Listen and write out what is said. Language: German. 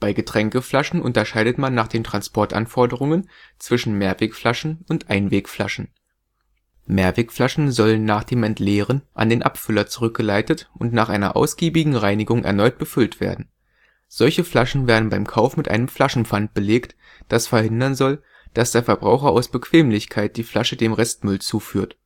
Getränkeflaschen unterscheidet man nach den Transportanforderungen zwischen Mehrwegflaschen und Einwegflaschen. Mehrwegflaschen sollen nach dem Entleeren an den Abfüller zurückgeleitet und nach einer ausgiebigen Reinigung erneut befüllt werden. Solche Flaschen werden beim Kauf mit einem Flaschenpfand belegt, das verhindern soll, dass der Verbraucher aus Bequemlichkeit die Flasche dem Restmüll zuführt